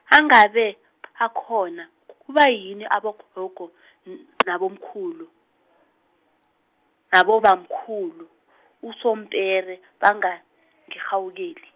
-angabe bakhona, k- kubayini abogogo, n- nabomkhulu, nabobamkhulu , usompere, bangirhawukele.